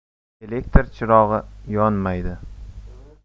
elektr chirog'i yonmaydi